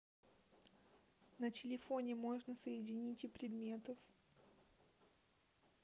на телефоне можно соедините предметов